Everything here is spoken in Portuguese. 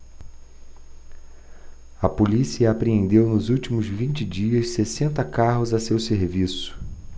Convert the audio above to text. a polícia apreendeu nos últimos vinte dias sessenta carros a seu serviço